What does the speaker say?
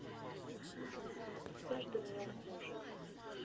с каждым днем хуже